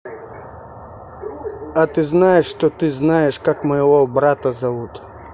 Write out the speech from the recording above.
а ты знаешь что ты знаешь как моего брата зовут